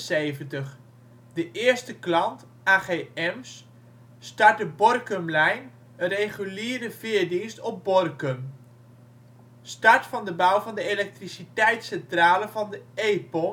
1976 - De eerste " klant ", AG Ems start de Borkumlijn, een reguliere veerdienst op Borkum 1976 - start bouw van de elektriciteitscentrale van de Epon